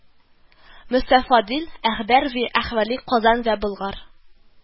Мөстәфадел-әхбар фи әхвали Казан вә Болгар